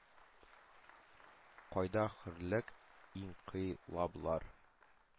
Кайда хөрлек, инкыйлаблар,